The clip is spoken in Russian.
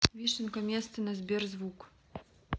вишенка места на сберзвук